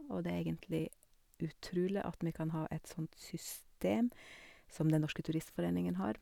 Og det er egentlig utrulig at vi kan ha et sånt system som Den Norske Turistforeningen har.